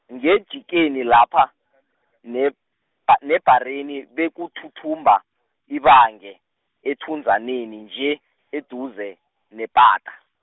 ngejikeni lapha, nebha- nebhareni bekuthuthumba, ibange, ethunzaneni nje, eduze nepata.